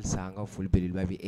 Hali san ka folielelilu bɛ